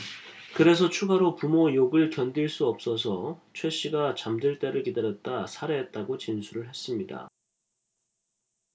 그래서 추가로 부모 욕을 견딜 수 없어서 최 씨가 잠들 때를 기다렸다 살해했다고 진술을 했습니다